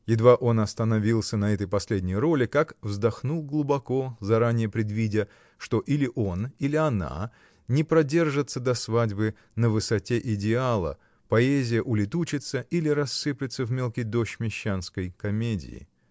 Едва он остановился на этой последней роли, как вздохнул глубоко, заранее предвидя, что или он, или она не продержатся до свадьбы на высоте идеала, поэзия улетучится или рассыплется в мелкий дождь мещанской комедии!